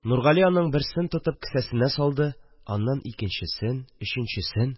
Нургали аның берсен тотып кесәсенә салды, аннан икенчесен, өченчесен